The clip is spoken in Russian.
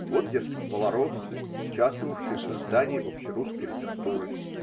Вот, дескать, малороссы, участвовавшие в создании общерусской литературы.